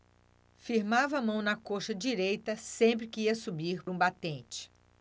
firmava a mão na coxa direita sempre que ia subir um batente